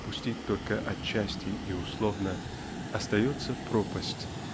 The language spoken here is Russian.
допустить только отчасти и условно) остается пропасть